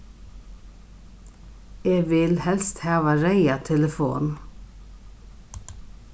eg vil helst hava reyða telefon